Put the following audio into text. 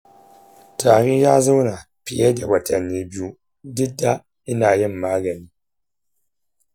tari ya zauna fiye da watanni biyu duk da ina yin magani.